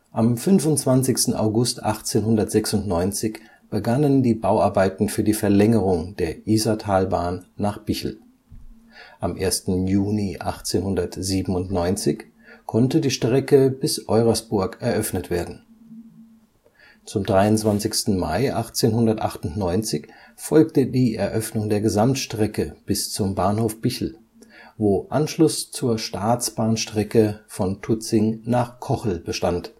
Am 25. August 1896 begannen die Bauarbeiten für die Verlängerung der Isartalbahn nach Bichl. Am 1. Juni 1897 konnte die Strecke bis Eurasburg eröffnet werden. Zum 23. Mai 1898 folgte die Eröffnung der Gesamtstrecke bis zum Bahnhof Bichl, wo Anschluss zur Staatsbahnstrecke von Tutzing nach Kochel bestand